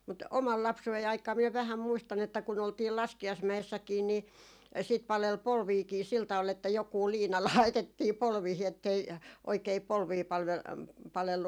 mutta oman lapsuuteni aikaa minä vähän muistan että kun oltiin laskiaismäessäkin niin sitten paleli polviakin sillä tavalla että joku liina laitettiin polviin että ei oikein polvia - palellut